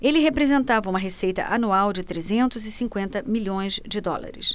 ele representava uma receita anual de trezentos e cinquenta milhões de dólares